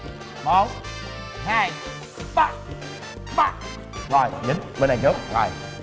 một hai ba ba rồi dính bên này trước rồi